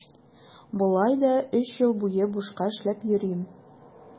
Болай да өч ел буе бушка эшләп йөрим.